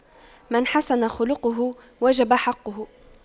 من حسن خُلقُه وجب حقُّه